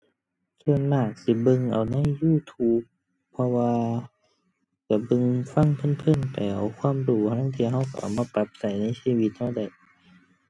ส่วนมากสิเบิ่งเอาใน YouTube เพราะว่า ก็เบิ่งฟังเพลินเพลินไปเอาความรู้ ห่าลางเที่ยก็ก็เอามาปรับก็ในชีวิตก็ได้